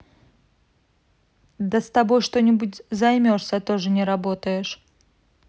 да с тобой что нибудь займешься тоже не работаешь